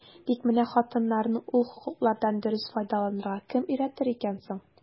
Тик менә хатыннарны ул хокуклардан дөрес файдаланырга кем өйрәтер икән соң?